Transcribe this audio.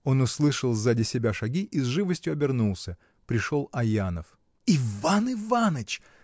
Он услышал сзади себя шаги и с живостью обернулся: пришел Аянов. — Иван Иваныч!